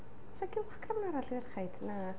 Oes 'na gylchgrawn arall i ferched? Na.